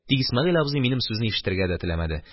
Тик Исмәгыйль абзый минем сүзне ишетергә дә теләмәде.